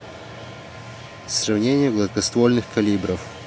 сравнение гладкоствольных калибров